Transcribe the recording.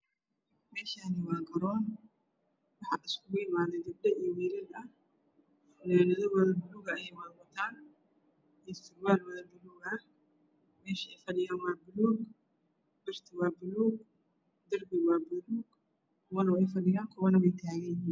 Meeshaan waa garoon waxa isku imaaday wiilal iyo gabdho. Fanaanado wada buluuga ayay wataan iyo surwaal wada buluuga. Meesha ay fadhiyaan waa buluug. Darbiguna waa buluug birtu waa buluug. Kuwana way fadhiyaan kuwana way taagan yihiin.